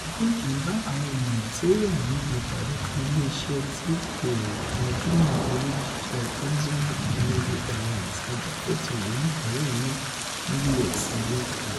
Zinke ń bá àwọn ènìyàn tí ó wà níbi ìpàdé ti Ilé iṣẹ́ tí kò gbájúmọ́ eré jíjẹ Consumer Energy Alliance (Ajàfẹ́tọ̀ọ́ àwọn oníbàárà iná) ní US gbé kalẹ̀.